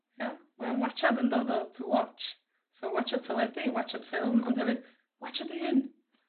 Ia? Mae watsiad yn dod o to watch so watsiad teledu, watsiad ffilm, ond hefyd, watsia dy hun!